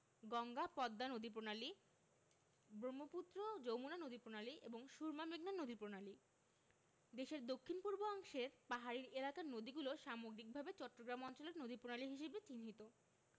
গঙ্গা পদ্মা নদীপ্রণালী ব্রহ্মপুত্র যমুনা নদীপ্রণালী ও সুরমা মেঘনা নদীপ্রণালী দেশের দক্ষিণ পূর্ব অংশের পাহাড়ী এলাকার নদীগুলো সামগ্রিকভাবে চট্টগ্রাম অঞ্চলের নদীপ্রণালী হিসেবে চিহ্নিত